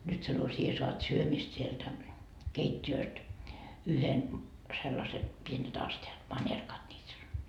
nyt sanoi sinä saat syömistä sieltä keittiöstä yhden sellaisen pienet astiat manerkat niitä sanoi